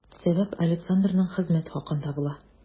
Сәбәп Александрның хезмәт хакында була.